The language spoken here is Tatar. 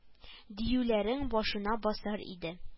Диюләрнең башына басар иде